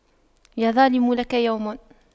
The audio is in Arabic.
يا ظالم لك يوم